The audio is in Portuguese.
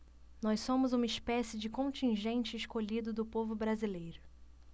nós somos uma espécie de contingente escolhido do povo brasileiro